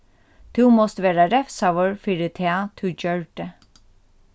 tú mást verða revsaður fyri tað tú gjørdi